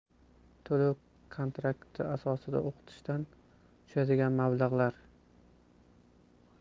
to'lov kontrakt asosida o'qitishdan tushadigan mablag'lar